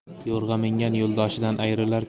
yo'rg'a mingan yo'ldoshidan ayrilar